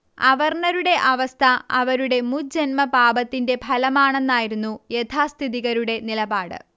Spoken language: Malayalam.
അവർണ്ണരുടെ അവസ്ഥ അവരുടെ മുജ്ജന്മപാപത്തിന്റെ ഫലമാണെന്നായിരുന്നു യഥാസ്ഥിതികരുടെ നിലപാട്